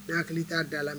Da hakili t'a da la